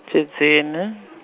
Tshidzini .